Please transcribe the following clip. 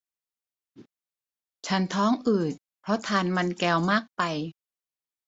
ฉันท้องอืดเพราะทานมันแกวมากไป